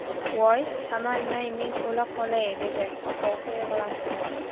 voy qamalmay men o'la qolay dedi opoqi yig'lamsirab